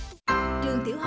trường tiểu